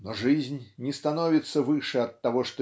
но жизнь не становится выше от того